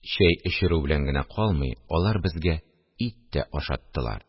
Чәй эчерү белән генә калмый, алар безгә ит тә ашаттылар